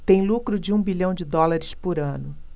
tem lucro de um bilhão de dólares por ano